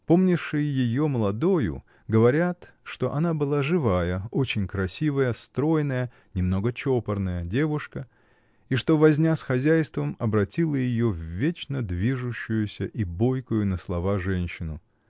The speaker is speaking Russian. Помнившие ее молодою говорят, что она была живая, очень красивая, стройная, немного чопорная девушка, и что возня с хозяйством обратила ее в вечно движущуюся и бойкую на слова женщину.